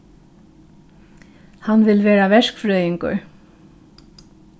hann vil verða verkfrøðingur